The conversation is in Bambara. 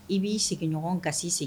I b'i sigiɲɔgɔn ga segin